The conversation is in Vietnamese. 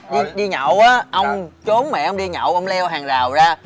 đi nhậu á ông trốn mẹ ông đi nhậu ông leo hàng rào ra